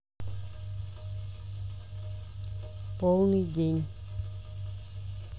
полный день